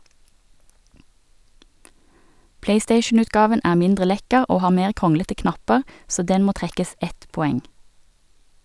Playstationutgaven er mindre lekker og har mer kronglete knapper, så den må trekkes ett poeng.